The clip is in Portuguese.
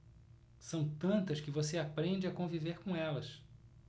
são tantas que você aprende a conviver com elas